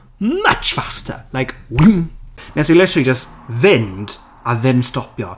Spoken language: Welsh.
much faster like whim. Wnes i literally jyst fynd a ddim stopio.